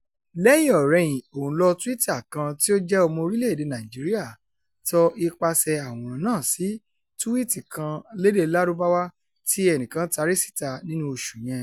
Lẹ́yìn-ò-rẹyìn, òǹlò Twitter kan tí ó jẹ́ ọmọ orílẹ̀-èdèe Nàìjíríà tọ ipasẹ̀ẹ àwòrán náà sí túwíìtì kan lédèe Lárúbáwá tí ẹnìkan tari síta nínú oṣù yẹn.